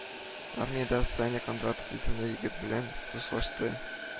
Армиядә Саня Кондратов исемле егет белән дуслашты